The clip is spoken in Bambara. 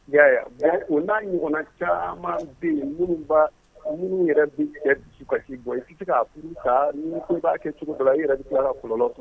Nka u'a ɲɔgɔn caman bɛ minnu minnu yɛrɛ bɛ yɛrɛ kasisi bɔ i tɛ se k ka p ta nifin b'a kɛ cogo la i yɛrɛ kolonlɔn